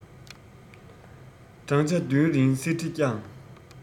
བགྲང བྱ བདུན རིང གསེར ཁྲི བསྐྱངས